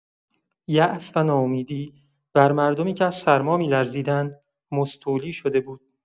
یاس و ناامیدی بر مردمی که از سرما می‌لرزیدند، مستولی شده بود.